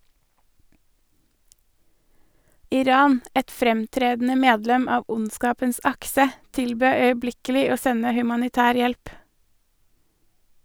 Iran, et fremtredende medlem av ondskapens akse , tilbød øyeblikkelig å sende humanitær hjelp.